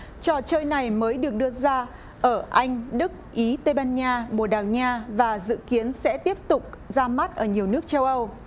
trò chơi này mới được đưa ra ở anh đức ý tây ban nha bồ đào nha và dự kiến sẽ tiếp tục ra mắt ở nhiều nước châu âu